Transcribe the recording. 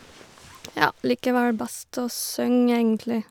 Ja, liker vel best å søng, egentlig.